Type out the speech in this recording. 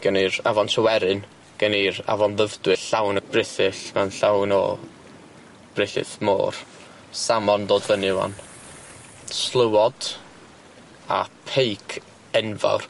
gen Ni'r afon Tryweryn gen ni'r afon Ddyfrdwy llawn o brithyll ma'n llawn o brithyll môr salmon dod fyny ŵan slywod a peic enfawr.